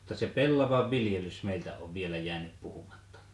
mutta se pellavan viljelys meiltä on vielä jäänyt puhumatta